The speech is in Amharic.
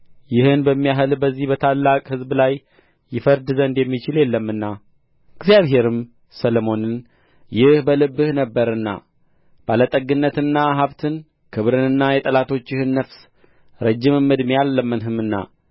ይህን በሚያህል በዚህ በታላቅ ሕዝብ ላይ ይፈርድ ዘንድ የሚችል የለምና እግዚአብሔርም ሰሎሞንን ይህ በልብህ ነበረና ባለጠግነትንና ሀብትን ክብርንና የጠላቶችህን ነፍስ ረጅምም ዕድሜን አልለመንህምና